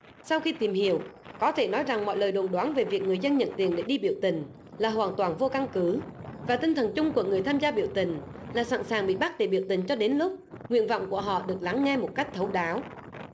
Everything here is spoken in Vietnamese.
sau khi tìm hiểu có thể nói rằng mọi lời đồn đoán về việc người dân nhận tiền để đi biểu tình là hoàn toàn vô căn cứ và tinh thần chung của người tham gia biểu tình là sẵn sàng bị bắt để biểu tình cho đến lúc nguyện vọng của họ được lắng nghe một cách thấu đáo